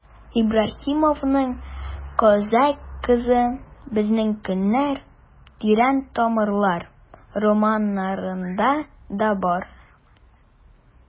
Ибраһимовның «Казакъ кызы», «Безнең көннәр», «Тирән тамырлар» романнарында да бар.